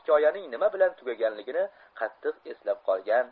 hikoyaning nima bilan tugaganligini kattiq eslab qolgan